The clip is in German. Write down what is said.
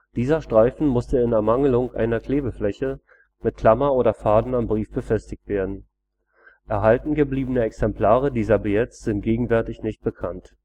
Dieser Streifen musste in Ermangelung einer Klebefläche mit Klammer oder Faden am Brief befestigt werden. Erhalten gebliebene Exemplare dieser Billets sind gegenwärtig nicht bekannt